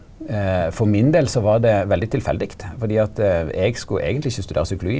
for min del så var det veldig tilfeldig fordi at eg skulle eigentleg ikkje studere psykologi.